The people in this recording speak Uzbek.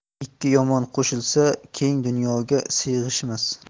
ikki yomon qo'shilsa keng dunyoga siyg'ishmas